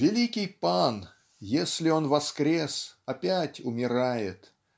Великий Пан, если он воскрес, опять умирает.